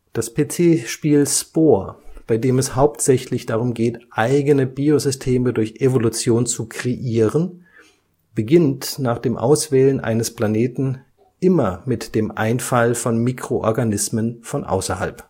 Das PC-Spiel Spore, bei dem es hauptsächlich darum geht, eigene Biosysteme durch Evolution zu „ kreieren “, beginnt, nach dem Auswählen eines Planeten, immer mit dem Einfall von Mikroorganismen von außerhalb